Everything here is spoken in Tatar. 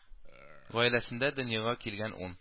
Гаиләсендә дөньяга килгән ун